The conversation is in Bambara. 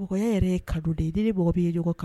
Yɛrɛ ye kaden ye